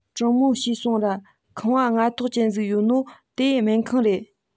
དྲང མོ བྱོས སོང ར ཁང བ ལྔ ཐོག ཅན ཟིག ཡོད ནོ དེ སྨན ཁང རེད